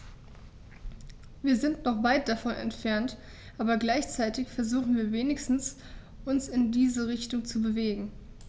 Wir sind noch weit davon entfernt, aber gleichzeitig versuchen wir wenigstens, uns in diese Richtung zu bewegen.